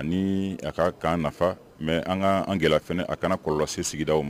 Ani a ka kan nafa mais an k'an gɛlɛya a kana kɔlɔlɔ lase sigida man.